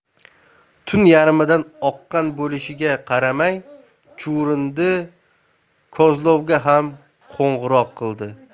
tun yarmidan oqqan bo'lishiga qaramay chuvrindi kozlovga ham qo'ng'iroq qildi